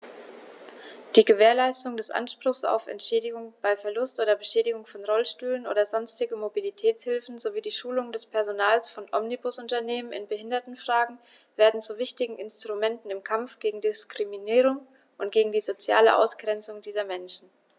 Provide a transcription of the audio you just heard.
Die Gewährleistung des Anspruchs auf Entschädigung bei Verlust oder Beschädigung von Rollstühlen oder sonstigen Mobilitätshilfen sowie die Schulung des Personals von Omnibusunternehmen in Behindertenfragen werden zu wichtigen Instrumenten im Kampf gegen Diskriminierung und gegen die soziale Ausgrenzung dieser Menschen.